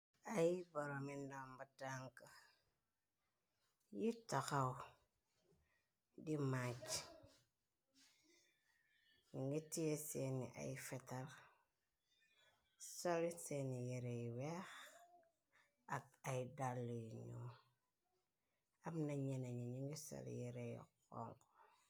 Ay baromi ndamba dànk yi tahaw di màjj nyu ngi tee seeni ay fetel sol li seeni yire yu weeh ak ay dàl lu ñuul. Am na nyenen ñu ngi sol yireh yu honku.